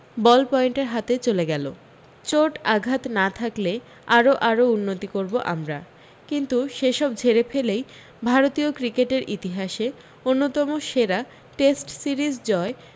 বল পয়েন্টের হাতে চলে গেল চোট আঘাত না থাকলে আরও আরও উন্নতি করব আমরা কিন্তু সে সব ঝেড়ে ফেলেই ভারতীয় ক্রিকেটের ইতিহাসে অন্যতম সেরা টেস্ট সিরিজ জয়